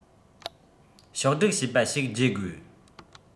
ཕྱོགས བསྒྲིགས བྱས པ ཞིག བརྗེ དགོས